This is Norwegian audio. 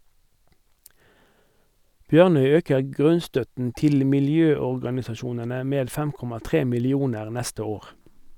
Bjørnøy øker grunnstøtten til miljøorganisasjonene med 5,3 millioner neste år.